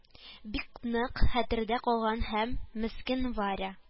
Бик нык хәтердә калган һәм: мескен варя